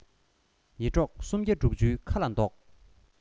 ཡེ འབྲོག སུམ བརྒྱ དྲུག ཅུའི ཁ ལ བཟློག